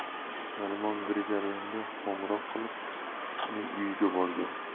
narimon grigoryanga qo'ng'iroq qilib uning uyiga borgan